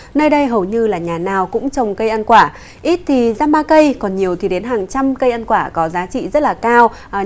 nơi đây hầu như là nhà nào cũng trồng cây ăn quả ít thì dăm ba cây còn nhiều thì đến hàng trăm cây ăn quả có giá trị rất là cao